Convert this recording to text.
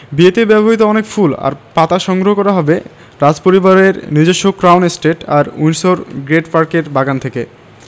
বিয়েতে ব্যবহৃত অনেক ফুল আর পাতা সংগ্রহ করা হবে রাজপরিবারের নিজস্ব ক্রাউন এস্টেট আর উইন্ডসর গ্রেট পার্কের বাগান থেকে